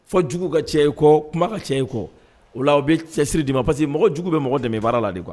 Fɔjugu ka cɛ e kɔ kuma ka cɛ e kɔ u la u bɛ cɛ siri di ma parce que mɔgɔ jugujugu bɛ mɔgɔ dɛmɛ baara la de kuwa